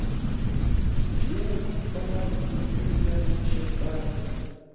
сделать cut полянку с друзьями чертами